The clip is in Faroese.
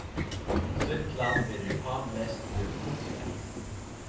súkklan verður tá mest brúkt til spæl